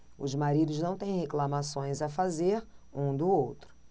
os maridos não têm reclamações a fazer um do outro